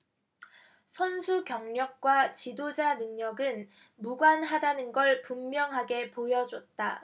선수 경력과 지도자 능력은 무관하다는 걸 분명하게 보여줬다